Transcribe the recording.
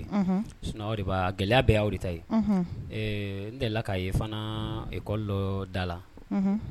Unhun; sinon a' de b'a gɛlɛya bɛɛ ye a' de ta ye; Unhun; Ee n delila k'a ye fana école dɔ da la; Unhun.